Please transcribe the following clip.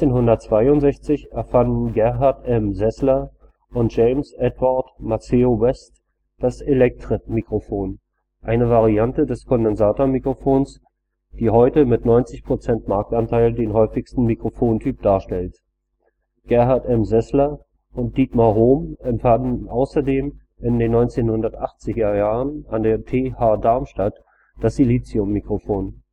1962 erfanden Gerhard M. Sessler und James Edward Maceo West das Elektret-Mikrofon, eine Variante des Kondensatormikrofons, die heute mit 90 Prozent Marktanteil den häufigsten Mikrofontyp darstellt. Gerhard M. Sessler und Dietmar Hohm erfanden außerdem in den 1980er-Jahren an der TH Darmstadt das Silizium-Mikrofon